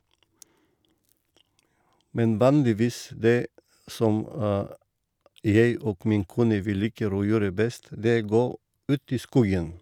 Men vanligvis det som jeg og min kone vi liker å gjøre best, det gå ut i skogen.